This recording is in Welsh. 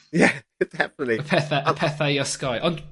Ie definately. Y pethe y pethau i osgoi ond